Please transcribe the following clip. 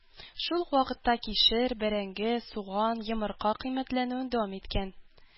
Шул ук вакытта кишер, бәрәңге, суган, йомырка кыйммәтләнүен дәвам иткән.